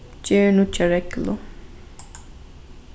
ger nýggja reglu